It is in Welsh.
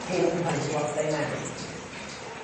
Cyn rhoid y blode i mewn.